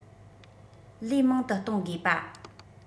ལས མང དུ གཏོང དགོས པ